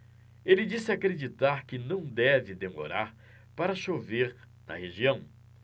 ele disse acreditar que não deve demorar para chover na região